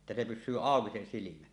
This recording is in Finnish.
että se pysyy auki se silmä